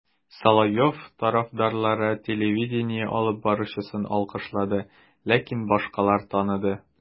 Соловьев тарафдарлары телевидение алып баручысын алкышлады, ләкин башкалар таныды: